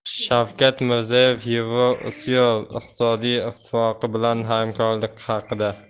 shavkat mirziyoyev yevrosiyo iqtisodiy ittifoqi bilan hamkorlik haqida